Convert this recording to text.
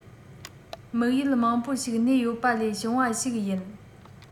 དམིགས ཡུལ མང པོ ཞིག གནས ཡོད པ ལས བྱུང བ ཞིག ཡིན